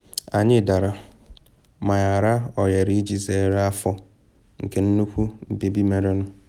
Anyị dara, ma ghara ohere iji zere afọ nke nnukwu mbibi merenụ.